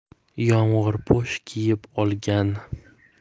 yomg'irpo'sh kiyib olgan